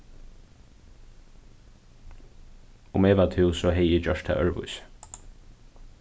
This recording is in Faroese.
um eg var tú so hevði eg gjørt tað øðrvísi